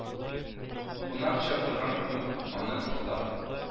Кунак чакырган күк, аны кыстап